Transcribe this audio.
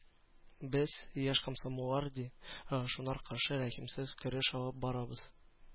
Без, яшь комсомоллар, ди, шуңар каршы рәхимсез көрәш алып барабыз.